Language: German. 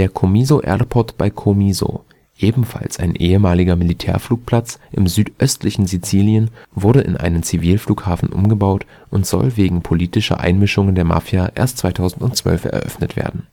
Comiso Airport bei Comiso, ebenfalls ein ehemaliger Militärflugplatz im südöstlichen Sizilien, wurde in einen Zivilflughafen umgebaut und soll wegen politischen Einmischungen der Mafia erst 2012 eröffnet werden